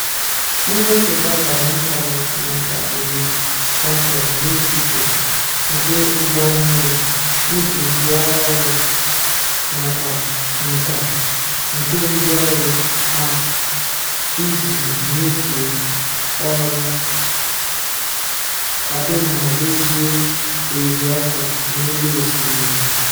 Nnyefe data n'ịntaneetị na-adabere kpọmkwem n'ikike nke ụgbọmmiri iji rụọ ọrụ nakwa nkà nke ndịọrụ ha iji nyefee ọrụ, kwado ma rụzie eririọkụ n'elu osimiri.